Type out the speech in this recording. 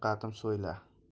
bir qatim so'yla